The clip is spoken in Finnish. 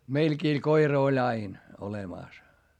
meilläkin koira oli aina olemassa